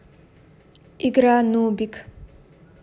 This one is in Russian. игра нубик